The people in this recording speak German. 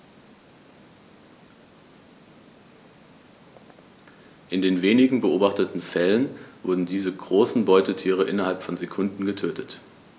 In den wenigen beobachteten Fällen wurden diese großen Beutetiere innerhalb von Sekunden getötet.